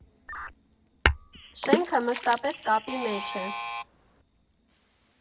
Շենքը մշտապես կապի մեջ է։